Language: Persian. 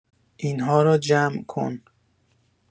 این‌ها را جمع‌کن.